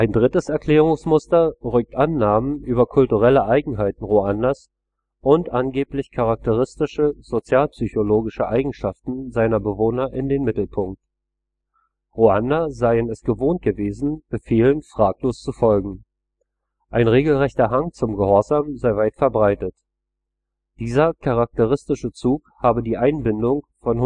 drittes Erklärungsmuster rückt Annahmen über kulturelle Eigenheiten Ruandas und angeblich charakteristische sozialpsychologische Eigenschaften seiner Bewohner in den Mittelpunkt. Ruander seien es gewohnt gewesen, Befehlen fraglos zu folgen. Ein regelrechter Hang zum Gehorsam sei weit verbreitet. Dieser charakteristische Zug habe die Einbindung von